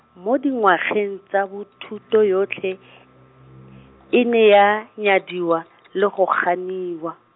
mo dingwageng tsa bo thuto yotlhe, e ne ya nyadiwa, le go ganiwa.